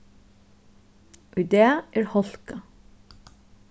í dag er hálka